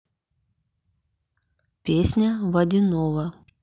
песня водяного